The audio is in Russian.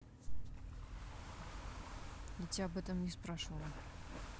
я тебя об этом не спрашивала